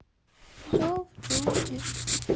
зов джунглей